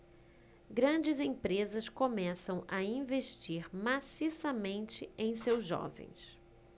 grandes empresas começam a investir maciçamente em seus jovens